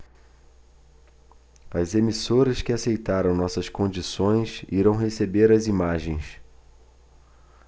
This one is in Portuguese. as emissoras que aceitaram nossas condições irão receber as imagens